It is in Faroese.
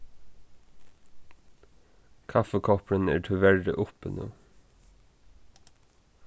kaffikoppurin er tíverri uppi nú